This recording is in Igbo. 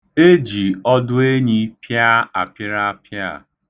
E ji ọdụenyi pịa apịraapị a.